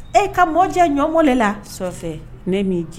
E ka mɔdiya ɲɔnmɔgɔ de la so ne b'i kɛ